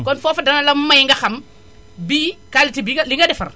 kon foofu dana la may nga xam bii qualité bi nga li nga defar